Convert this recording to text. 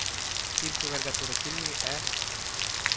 Тир түгәргә туры килми, ә